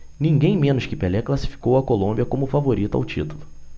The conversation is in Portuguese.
ninguém menos que pelé classificou a colômbia como favorita ao título